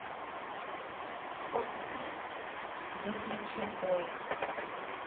выключи пой